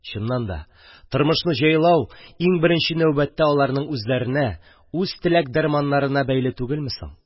Чыннан да, тормышны җайлау иң беренче нәүбәттә аларның үзләренә, үз теләк-дарманнарына бәйле түгелме соң?!